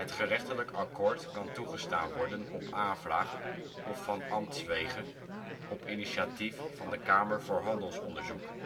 gerechtelijk akkoord kan toegestaan worden op aanvraag of van ambtswege op initiatief van de kamer voor handelsonderzoek